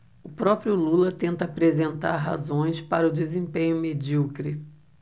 o próprio lula tenta apresentar razões para o desempenho medíocre